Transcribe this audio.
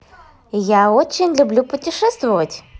я очень люблю путешествовать